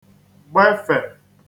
gbafè